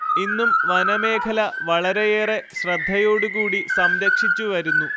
ഇന്നും വനമേഖല വളരെയേറെ ശ്രദ്ധയോട് കൂടി സംരക്ഷിച്ചു വരുന്നു